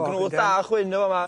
Grwdd da o chwyn yn fama.